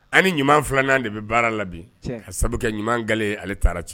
Ani ɲuman 2 nan de bɛ baara la bi. Cɛn. Ka sabu kɛ ɲuman gale ale taara c